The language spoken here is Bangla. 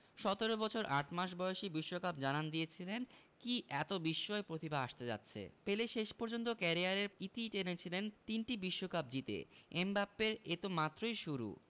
১৭ বছর ৮ মাস বয়সে বিশ্বকাপে জানান দিয়েছিলেন কী এত বিস্ময় প্রতিভা আসতে যাচ্ছে পেলে শেষ পর্যন্ত ক্যারিয়ারের ইতি টেনেছিলেন তিনটি বিশ্বকাপ জিতে এমবাপ্পের এ তো মাত্রই শুরু